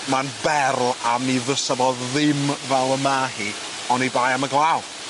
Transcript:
Ma'n berl a mi fysa fo ddim fel y ma' hi oni bai am y glaw.